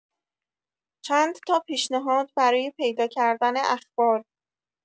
چند تا پیشنهاد برای پیدا کردن اخبار